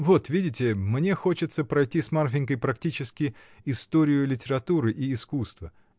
— Вот видите: мне хочется пройти с Марфинькой практически историю литературы и искусства.